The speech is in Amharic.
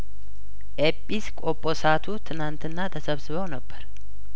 ኤጲስ ቆጶሳቱ ትናንትና ተሰብስበው ነበር